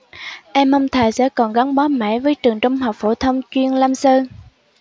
em mong thầy sẽ còn gắn bó mãi với trường trung học phổ thông chuyên lam sơn